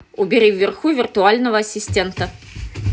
убери вверху виртуального ассистента